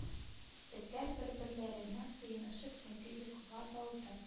Этләр бер-берләренә сыенышып төнге йокыга талды